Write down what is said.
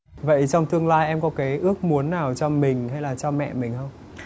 vậy trong tương lai em có cái ước muốn nào cho mình hay là cho mẹ mình